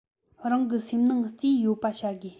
རང གི སེམས ནང རྩིས ཡོད པ བྱ དགོས